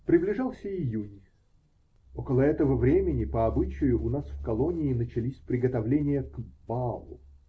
Приближался июнь. Около этого времени, по обычаю, у нас в колонии начались приготовления к "балу".